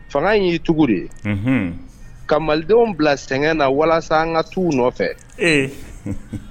Fanga y'i tugu de ye ka malidenw bila sɛgɛngɛn na walasa an ka tu nɔfɛ